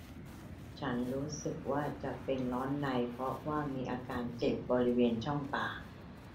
ฉันรู้สึกว่าจะเป็นร้อนในเพราะว่ามีอาการเจ็บบริเวณช่องปาก